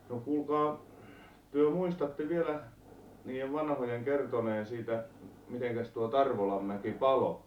no kuulkaa te muistatte vielä niiden vanhojen kertoneen siitä miten tuo Tarvolanmäki paloi